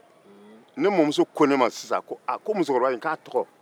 hun ne mamuso ko ne ko ne ma ko musokɔrɔba in tɔgɔ